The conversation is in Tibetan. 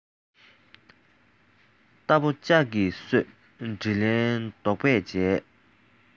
རྟ བོ ལྕགས གིས གསོས དྲིན ལན རྡོག པས འཇལ